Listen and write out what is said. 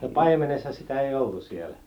no paimenessa sitä ei oltu siellä